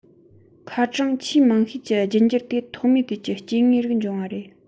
ཁ གྲངས ཆེས མང ཤོས ཀྱི རྒྱུད འགྱུར ཏེ ཐོག མའི དུས ཀྱི སྐྱེ དངོས རིགས འབྱུང བ རེད